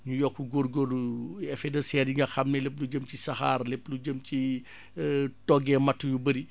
ñu yokk góorgóorlu effet de serre yi nga xam ne lépp lu jëm si saxaar lépp lu jëm ci toggee matt yu bari